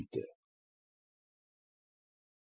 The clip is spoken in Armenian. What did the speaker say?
Գիտե…